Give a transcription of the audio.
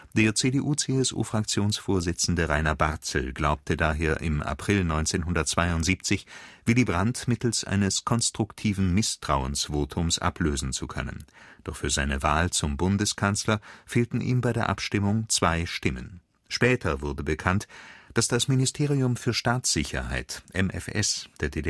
Der CDU/CSU-Fraktionsvorsitzende Rainer Barzel glaubte daher im April 1972, Willy Brandt mittels eines konstruktiven Misstrauensvotums ablösen zu können. Doch für seine Wahl zum Bundeskanzler fehlten ihm bei der Abstimmung zwei Stimmen. Später wurde bekannt, dass das Ministerium für Staatssicherheit (MfS) der DDR